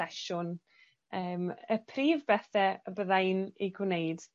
sesiwn yym y prif bethe y bydda i'n eu gwneud